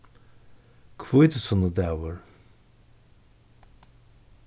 hvítusunnudagur